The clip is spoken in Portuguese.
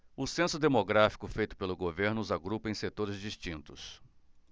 o censo demográfico feito pelo governo os agrupa em setores distintos